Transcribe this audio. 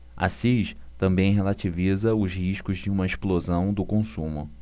assis também relativiza os riscos de uma explosão do consumo